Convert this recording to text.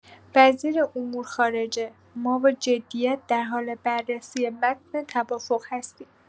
وزیر امور خارجه: ما با جدیت در حال بررسی متن توافق هستیم.